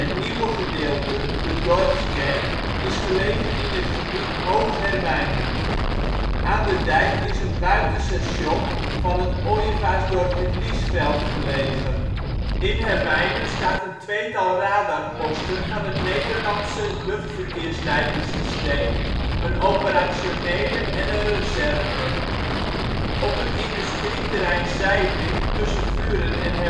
nieuwe gedeelte, de dorpskern, is gelegen in het gebied " Hoog Herwijnen ". Aan de dijk is een buitenstation van het ooievaarsdorp " Het Liesveld " gelegen. In Herwijnen staat een tweetal radarposten van het Nederlandse luchtverkeersleidingsysteem (SARP), een operationele en een reserve. Op het industrieterrein Zeiving tussen Vuren en